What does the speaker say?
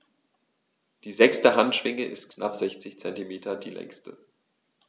Die sechste Handschwinge ist mit knapp 60 cm die längste.